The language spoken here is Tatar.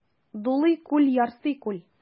Дулый күл, ярсый күл.